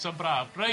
So braf, reit.